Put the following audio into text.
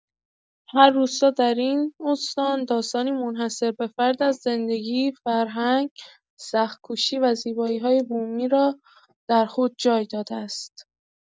هر روستا در این استان داستانی منحصر به‌فرد از زندگی، فرهنگ، سخت‌کوشی و زیبایی‌های بومی را در خود جای داده است.